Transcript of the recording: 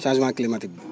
changement climatique bi